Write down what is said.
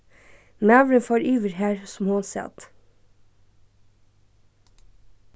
maðurin fór yvir har sum hon sat